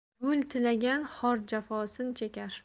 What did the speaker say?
gul tilagan xor jafosin chekar